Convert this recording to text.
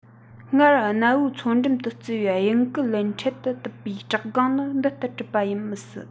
སྔར གནའ བོའི མཚོ འགྲམ དུ བརྩི བའི དབྱིན ཀེ ལན འཕྲེད དུ གཏུབ པའི བྲག སྒང ནི འདི ལྟར གྲུབ པ ཡིན མི སྲིད